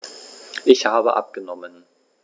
Ich habe abgenommen.